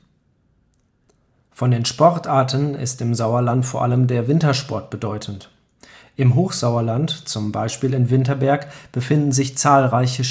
Von den Sportarten ist im Sauerland vor allem der Wintersport bedeutend. Im Hochsauerland, zum Beispiel in Winterberg, befinden sich zahlreiche